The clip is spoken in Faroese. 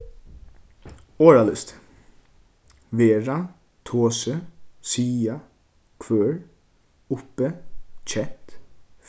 orðalisti vera tosi siga hvør uppi kent